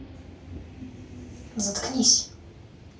заткнись блять